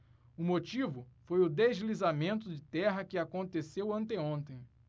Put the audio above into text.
o motivo foi o deslizamento de terra que aconteceu anteontem